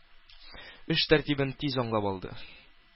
Эш тәртибен тиз аңлап алды.